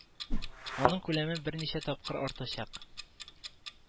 Аның күләме берничә тапкыр артачак